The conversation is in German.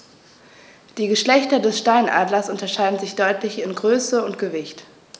Die Geschlechter des Steinadlers unterscheiden sich deutlich in Größe und Gewicht.